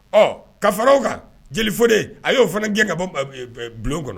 Ɔ ka faraw kan jeli fɔlen a y'o fana gɛn ka bɔ bulon kɔnɔ